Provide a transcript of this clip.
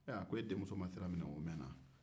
aa a ko e denmuso ma sira minɛ o mɛn na wa